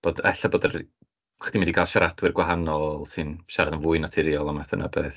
Nod ella bod y ri- chdi'n mynd i gael siaradwyr gwahanol sy'n siarad yn fwy naturiol a math yna o beth.